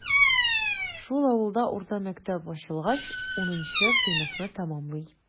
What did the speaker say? Шул авылда урта мәктәп ачылгач, унынчы сыйныфны тәмамлый.